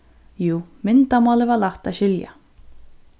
jú myndamálið var lætt at skilja